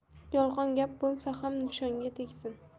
yolg'on gap bo'lsa ham nishonga tegsin